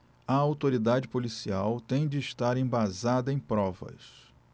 a autoridade policial tem de estar embasada em provas